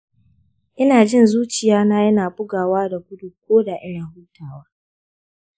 ina jin zuciyana yana bugawa da gudu koda ina hutawa.